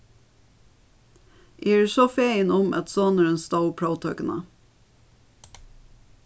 eg eri fegin um at sonurin stóð próvtøkuna